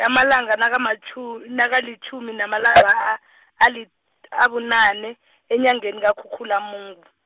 e amalanga nakamatjhu-, nakalitjhumi namalanga a- ali-, abunane, enyangeni kuKhukhulamungu.